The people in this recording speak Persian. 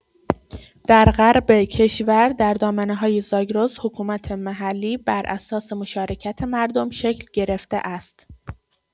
در غرب کشور، در دامنه‌های زاگرس، حکومت محلی بر اساس مشارکت مردم شکل گرفته است.